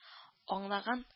Аңлаган